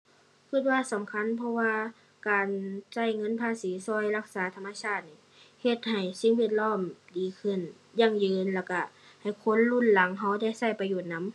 คิดว่าสำคัญ เพราะว่าการจ่ายเงินภาษีคิดรักษาธรรมชาติหนิ เฮ็ดให้สิ่งแวดล้อมดีขึ้น ยั่งยืน แล้วคิดให้คนรุ่นหลังคิดได้คิดประโยชน์นำ